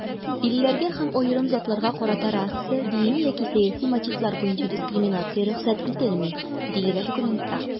"илләргә һәм аерым затларга карата раса, дини яки сәяси мотивлар буенча дискриминация рөхсәт ителми", - диелә документта.